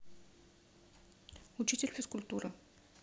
учитель физкультуры